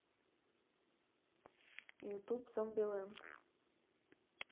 ютуб зомбилэнд